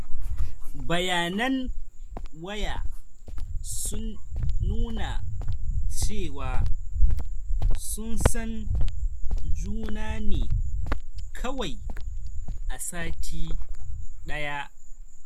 bayanan waya sun nuna cewa sun san juna ne kawai a sati daya.